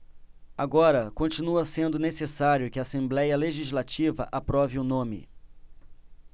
agora continua sendo necessário que a assembléia legislativa aprove o nome